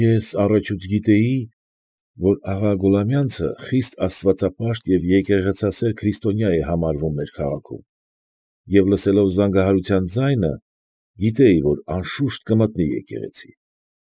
Ես առաջուց գիտեի, որ աղա Գուլամյանցը խիստ աստվածապաշտ և եկեղեցասեր քրիստոնյա է համարվում մեր քաղաքում և, լսելով զանգահարության ձայնը, գիտեի, որ անշուշտ կմտնի եկեղեցի։